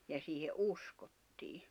ja siihen uskottiin